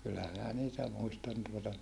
kyllä minä niitä muistan tuota